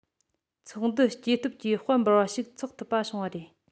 ཚོགས འདུ སྐྱེ སྟོབས ཀྱི དཔལ འབར བ ཞིག འཚོག ཐུབ པ བྱུང བ རེད